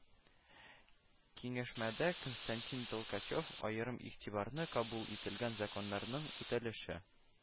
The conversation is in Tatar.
Киңәшмәдә Константин Толкачев аерым игътибарны кабул ителгән законнарның үтәлеше